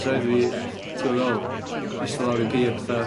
Sa raid i fi t'go' feddwl? Ista lawr i pee a fatha...